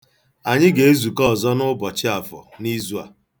Anyị ga-ezukọ ọzọ n'ụbọchị Afọ, n'izu a.